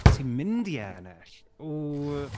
Sy'n mynd i ennill? W!